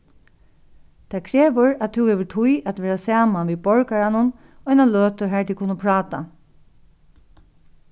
tað krevur at tú hevur tíð at vera saman við borgaranum eina løtu har tit kunnu práta